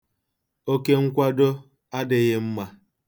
Oke nkwado adịghị mma.